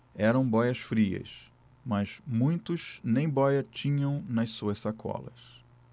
eram bóias-frias mas muitos nem bóia tinham nas suas sacolas